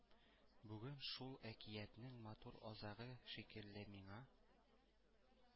Бүген шул әкиятнең матур азагы шикелле миңа.